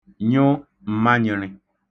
nyụ m̀manyị̄rị̄